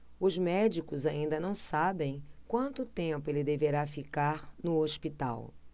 os médicos ainda não sabem quanto tempo ele deverá ficar no hospital